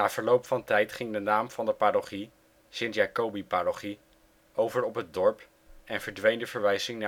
verloop van tijd ging de naam van de parochie (Sint-Jacobiparochie) over op het dorp en verdween de verwijzing